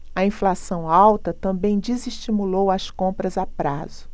a inflação alta também desestimulou as compras a prazo